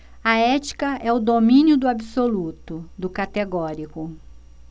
a ética é o domínio do absoluto do categórico